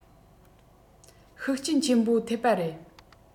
ཤུགས རྐྱེན ཆེན པོ ཐེབས པ རེད